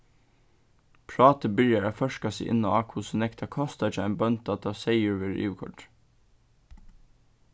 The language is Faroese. prátið byrjar at førka seg inn á hvussu nógv tað kostar hjá einum bónda tá seyður verður yvirkoyrdur